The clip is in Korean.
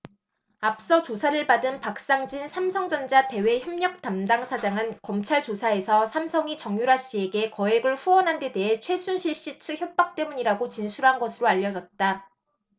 앞서 조사를 받은 박상진 삼성전자 대외협력담당 사장은 검찰조사에서 삼성이 정유라씨에게 거액을 후원한 데 대해 최순실씨 측 협박 때문이라고 진술한 것으로 알려졌다